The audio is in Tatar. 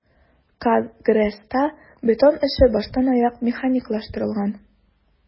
"казгрэс"та бетон эше баштанаяк механикалаштырылган.